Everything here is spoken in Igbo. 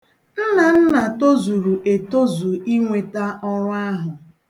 Nnanna tozuru etozu inweta ọrụ ahụ.